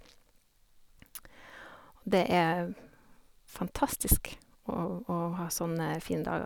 Og det er fantastisk å å ha sånne fine dager.